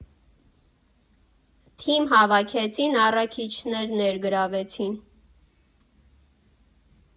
Թիմ հավաքեցին, առաքիչներ ներգրավեցին։